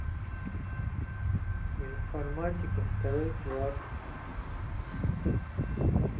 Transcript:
информатика второй класс